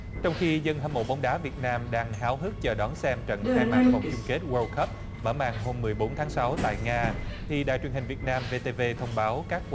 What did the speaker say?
trong khi dân hâm mộ bóng đá việt nam đang háo hức chờ đón xem trận khai mạc vòng chung kết guây cúp mở màn hôm mười bốn tháng sáu tại nga thì đài truyền hình việt nam v t v thông báo các